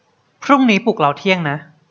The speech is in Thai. พรุ่งนี้ปลุกเราเที่ยงนะ